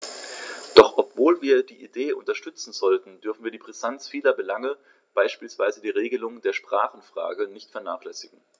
Doch obwohl wir die Idee unterstützen sollten, dürfen wir die Brisanz vieler Belange, beispielsweise die Regelung der Sprachenfrage, nicht vernachlässigen.